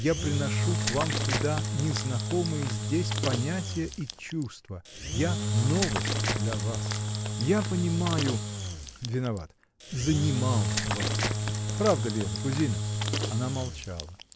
я приношу к вам сюда незнакомые здесь понятия и чувства, я новость для вас я занимаю. виноват. занимал вас. Правда ли это, кузина? Она молчала.